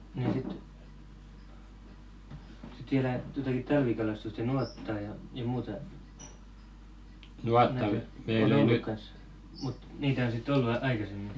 no sitten sitten vielä jotakin talvikalastusta nuottaa ja muuta on ollut kanssa mutta niitä on sitten ollut aikaisemminkin